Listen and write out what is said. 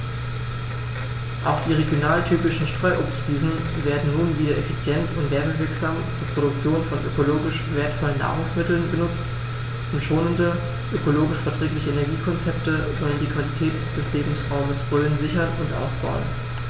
Auch die regionaltypischen Streuobstwiesen werden nun wieder effizient und werbewirksam zur Produktion von ökologisch wertvollen Nahrungsmitteln genutzt, und schonende, ökologisch verträgliche Energiekonzepte sollen die Qualität des Lebensraumes Rhön sichern und ausbauen.